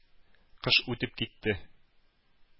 Кыш үтеп китте.